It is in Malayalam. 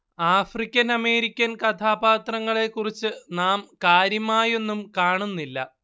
ആഫ്രിക്കൻ അമേരിക്കൻ കഥാപാത്രങ്ങളെക്കുറിച്ച് നാം കാര്യമായൊന്നും കാണുന്നില്ല